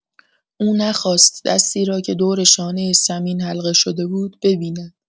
او نخواست دستی را که دور شانۀ ثمین حلقه شده بود، ببیند.